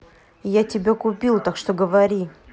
я тебя купил так что говори